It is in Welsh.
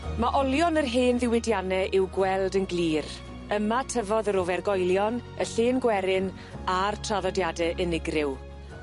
Ma' olion yr hen ddiwydianne i'w gweld yn glir. Yma tyfodd yr ofergoelion y llen gwerin a'r traddodiade unigryw.